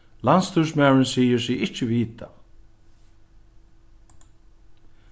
landsstýrismaðurin sigur seg ikki vita